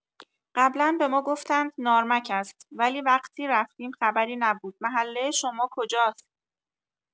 قبلا به ما گفتند نارمک است ولی وقتی رفتیم خبری نبود محله شما کجاست؟